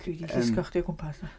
Dwi 'di llusgo... Yym. ...Chdi o gwympas.